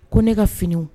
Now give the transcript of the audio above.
Ko ne ka fini